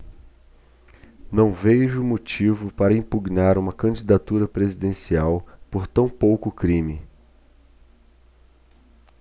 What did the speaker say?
não vejo motivo para impugnar uma candidatura presidencial por tão pouco crime